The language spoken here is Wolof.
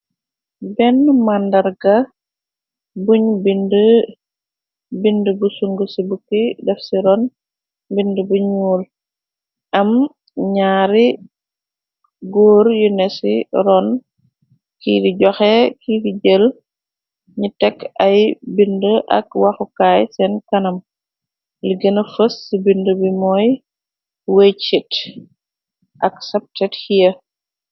Benni màndar ga buñ bindi, bindi bu sung ci bukki def ci ron bindi bu ñuul. Am ñaari góor yuneci ron, kiidi joxe, kiidi jël. Ñ tekk ay bindi ak waxukaay seen kanam. Li gëna fës ci bindi bi mooy wejchit ak sabtet hie.